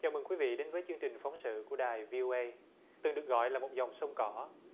chào mừng quý vị đến với chương trình phóng sự của đài vi ô ây từng được gọi là một dòng sông cỏ